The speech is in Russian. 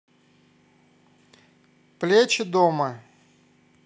плечи дома